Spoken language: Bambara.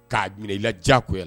K'a i diyakoya la